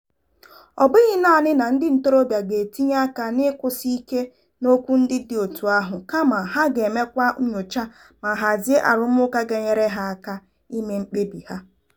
Ọ bụghị naanị na ndị ntorobịa ga-etinye aka n'ịkwụsi ike n'okwu ndị dị otú ahụ, kama ha ga-emekwa nnyocha ma hazie arụmụka ga-enyere ha aka ime mkpebi ha.